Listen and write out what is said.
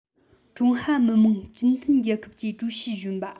ཀྲུང ཧྭ མི དམངས སྤྱི མཐུན རྒྱལ ཁབ ཀྱི ཀྲུའུ ཞི གཞོན པ